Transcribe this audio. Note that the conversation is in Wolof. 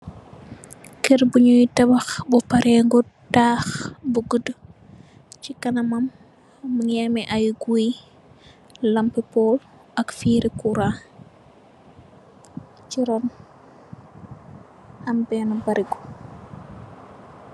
Kerr bu nyo tabax bu paregud tah bu gudu si kanamam mu ngi am ai gui lampa kurr ak fil kuran si run am bene barego.